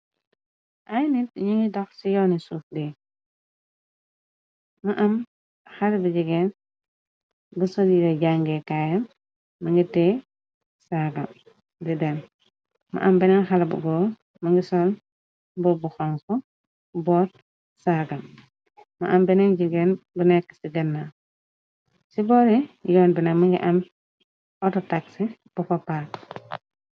Ay nit ñi ngi dax ci yooni suuf de ma am xarabi jegeen bu sodire jangee kaayam mangi tee saaga di den ma am beneen xar më ngi soon boo bu xonk boot saargam ma am beneen jegeen bu nekk ci genna ci boore yoon bina më ngi am autotaxi bu xo park.